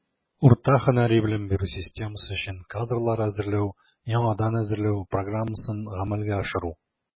Урта һөнәри белем бирү системасы өчен кадрлар әзерләү (яңадан әзерләү) программасын гамәлгә ашыру.